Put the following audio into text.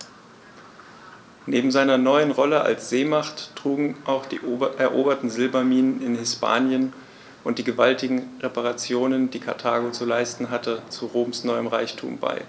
Neben seiner neuen Rolle als Seemacht trugen auch die eroberten Silberminen in Hispanien und die gewaltigen Reparationen, die Karthago zu leisten hatte, zu Roms neuem Reichtum bei.